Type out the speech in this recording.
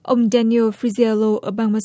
ông đa ni ô phia di la ô ở bang ma